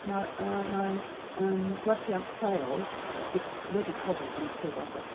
Mae mae mae yym gwerthiant lleol 'di wedi codi yn sylweddol.